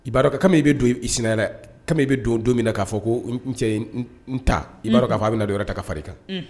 I' dɔn i bɛ don i sinaɛrɛ ka i bɛ don don min na'a fɔ ko cɛ ta i'a' f a bɛ bɛna don wɛrɛɛrɛ ta ka fari kan